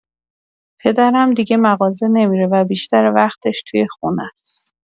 پدرم دیگه مغازه نمی‌ره و بیشتر وقتش خونه‌ست.